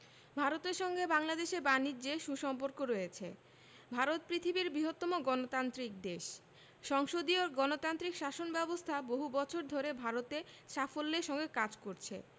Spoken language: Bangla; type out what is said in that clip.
ভারতের সঙ্গে বাংলাদেশের বানিজ্যে সু সম্পর্ক রয়েছে ভারত পৃথিবীর বৃহত্তম গণতান্ত্রিক দেশ সংসদীয় গণতান্ত্রিক শাসন ব্যাবস্থা বহু বছর ধরে ভারতে সাফল্যের সঙ্গে কাজ করছে